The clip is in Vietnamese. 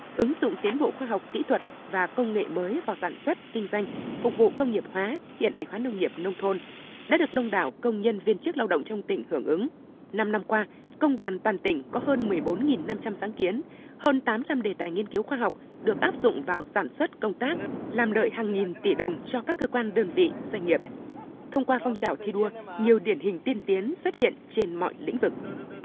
ứng dụng tiến bộ khoa học kỹ thuật và công nghệ mới vào sản xuất kinh doanh phục vụ công nghiệp hóa hiện đại hóa nông nghiệp nông thôn đã được đông đảo công nhân viên chức lao động trong tỉnh hưởng ứng năm năm qua công đoàn toàn tỉnh có hơn mười bốn nghìn năm trăm sáng kiến hơn tám trăm đề tài nghiên cứu khoa học được áp dụng vào sản xuất công tác làm đợi hàng nghìn tỷ đồng cho các cơ quan đơn vị doanh nghiệp thông qua phong trào thi đua nhiều điển hình tiên tiến xuất hiện trên mọi lĩnh vực